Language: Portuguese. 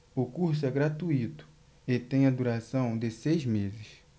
o curso é gratuito e tem a duração de seis meses